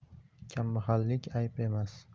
kambag'allik ayb emas